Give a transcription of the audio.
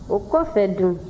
o kɔ fɛ dun